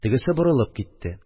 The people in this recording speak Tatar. Тегесе борылып китте